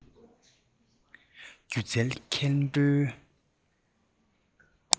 སྒྱུ རྩལ མཁན པོའི